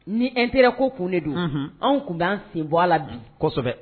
Ni intérêt ko tun de don, an tun bɛ an senbɔ a la bi, kosɛbɛ